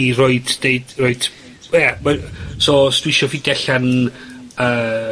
i roid deut roid, ie, ma- so os dwi isio ffindio allan yy...